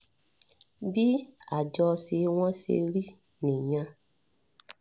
Bí àjọṣẹ wọn ṣe rí nìyẹn.